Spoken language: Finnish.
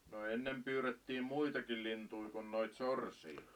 no ennen pyydettiin muitakin lintuja kuin noita sorsia